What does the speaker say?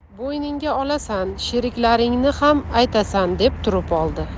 bo'yningga olasan sheriklaringni ham aytasan deb turib oldi